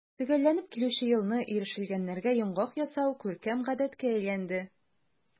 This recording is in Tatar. Төгәлләнеп килүче елны ирешелгәннәргә йомгак ясау күркәм гадәткә әйләнде.